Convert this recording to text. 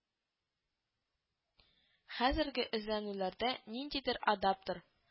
Хәзерге эзләнүләрдә ниндидер адаптор